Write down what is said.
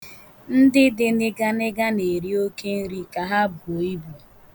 Ndị dị nịganịga na-eri oke nri ka ha buo ibu.